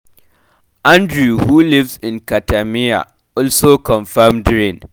Andrew who lives in Katameyya also confirmed rain!